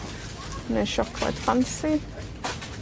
Ne' siocled ffansi?